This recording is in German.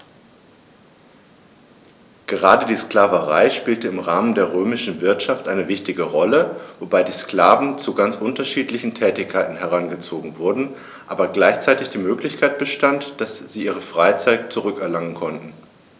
Gerade die Sklaverei spielte im Rahmen der römischen Wirtschaft eine wichtige Rolle, wobei die Sklaven zu ganz unterschiedlichen Tätigkeiten herangezogen wurden, aber gleichzeitig die Möglichkeit bestand, dass sie ihre Freiheit zurück erlangen konnten.